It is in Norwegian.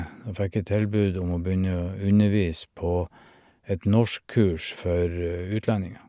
Da fikk jeg tilbud om å begynne å undervise på et norskkurs for utlendinger.